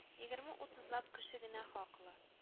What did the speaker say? Егерме -утызлап кеше генә ха кыла